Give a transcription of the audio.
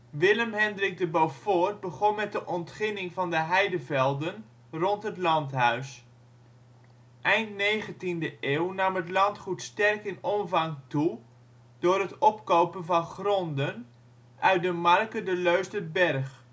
Willem Hendrik de Beaufort begon met de ontginning van de heidevelden rond het landhuis. Eind 19e eeuw nam het landgoed sterk in omvang toe door het opkopen van gronden uit de ' Marke de Leusderberg